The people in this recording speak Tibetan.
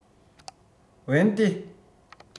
འོན ཏེ